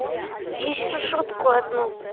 еще шутку одну